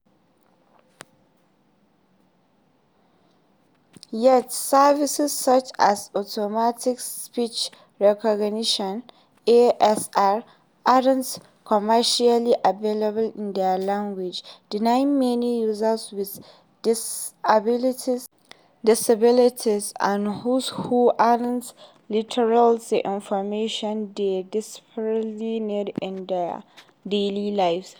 Yet services such as automatic speech recognition (ASR) aren’t commercially available in this language, denying many users with disabilities and those who aren't literate the information they desperately need in their daily lives.